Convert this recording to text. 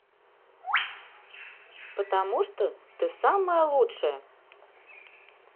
потому что ты самая лучшая